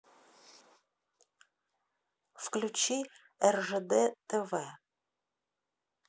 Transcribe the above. включи ржд тв